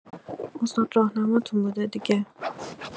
استاد راهنماتون بوده دیگه؟